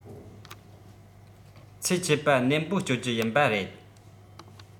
ཚེ ཆད པ ནན པོ གཅོད རྒྱུ ཡིན པ རེད